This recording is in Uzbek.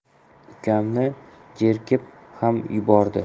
ukamni jerkib ham yubordi